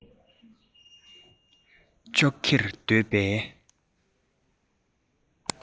ཙོག གེར སྡོད པའི